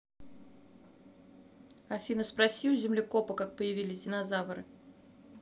афина спроси у землекопа как появились динозавры